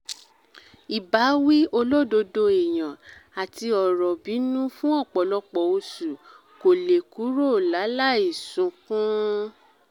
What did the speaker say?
Ìbáwí olódodo èèyàn, àti ọ̀rọ̀ bínú fún ọ̀pọ̀lọpọ̀ oṣù, kò lè kúrò láa láì sunkún.